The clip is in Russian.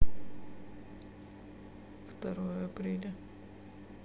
второе апреля